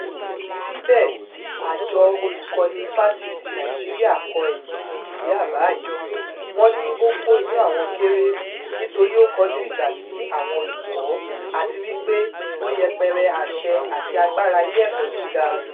Síbẹ̀, Àjọ Olùkọ́ni Ifásitìi Nàìjíríà kọ ẹ̀yìn sí ìwé àbá yìí, wọ́n ní ó kọ iyán àwọn kéré, nítorí ó kọjú ìjà sí àwọn olùkọ́ àti wípé ó yẹpẹrẹ àṣẹ àti agbára ilé ẹ̀kọ́ gíga.